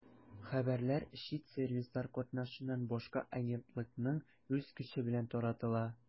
Хәбәрләр чит сервислар катнашыннан башка агентлыкның үз көче белән таратыла.